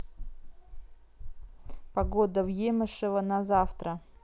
погода в емешево на завтра